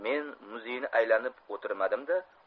men muzeyni aylanib o'tirmadim da